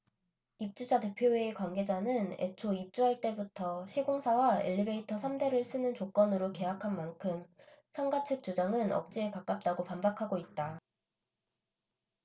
입주자 대표회의 관계자는 애초 입주할 때부터 시공사와 엘리베이터 삼 대를 쓰는 조건으로 계약한 만큼 상가 측 주장은 억지에 가깝다고 반박하고 있다